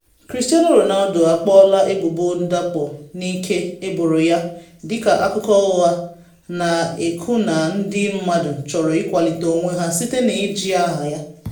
Cristiano Ronaldo akpọọla ebubo ndakpo n’ike eboro ya dịka “akụkọ ụgha,” na-ekwu na ndị mmadụ “chọrọ ịkwalite onwe ha” site na iji aha ya.